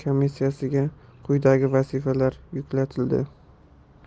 komissiyasiga quyidagi vazifalar yuklatildi